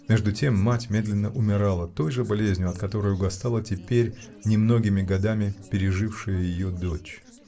Между тем мать медленно умирала той же болезнью, от которой угасала теперь немногими годами пережившая ее дочь.